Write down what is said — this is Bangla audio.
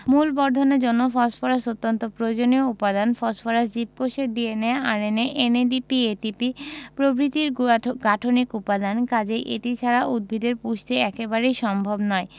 মূল বর্ধনের জন্য ফসফরাস অত্যন্ত প্রয়োজনীয় উপাদান ফসফরাস জীবকোষের DNA RNA NADP ATP প্রভৃতির গাঠনিক উপাদান কাজেই এটি ছাড়া উদ্ভিদের পুষ্টি একেবারেই সম্ভব নয়